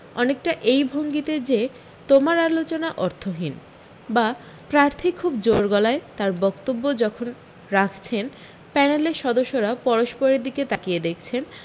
অনেকটা এই ভঙ্গিতে যে তোমার আলোচনা অর্থহীন বা প্রার্থী খুব জোর গলায় তার বক্তব্য যখন রাখছেন প্যানেলের সদস্যরা পরস্পরের দিকে তাকিয়ে দেখছেন